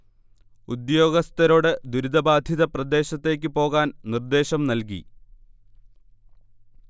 ഉദ്യോഗസഥരോട് ദുരിതബാധിത പ്രദേശത്തേക്ക് പോകാൻ നിർദേശം നൽകി